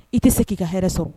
I tɛ se k'i ka hɛrɛ sɔrɔ